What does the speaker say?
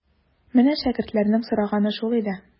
Менә шәкертләрнең сораганы шул иде.